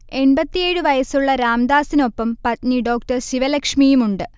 എൺപത്തിയേഴ് വയസ്സുളള രാംദാസിനൊപ്പം പത്നി ഡോ. ശിവ ലക്ഷ്മിയുമുണ്ട്